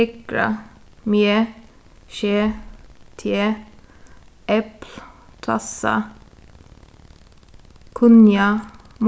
tykra meg seg teg epli tvassa kunna